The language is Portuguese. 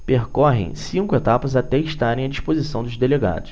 percorrem cinco etapas até estarem à disposição dos delegados